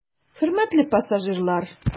Хөрмәтле пассажирлар!